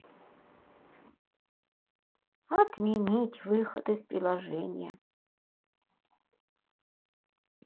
отменить выход из приложения